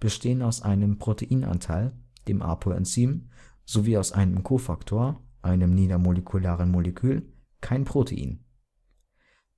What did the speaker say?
bestehen aus einem Proteinanteil, dem Apoenzym, sowie aus einem Kofaktor, einem niedermolekularen Molekül (kein Protein).